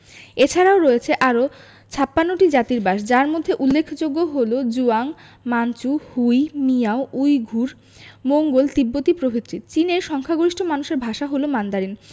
এছারাও রয়েছে আরও ৫৬ টি জাতির বাস যার মধ্যে উল্লেখযোগ্য হলো Zhuang Manchu Hui Miao Uyghur Mongol তিব্বতি প্রভৃতি চীনের সংখ্যাগরিষ্ঠ মানুষের ভাষা হলো মান্দারিন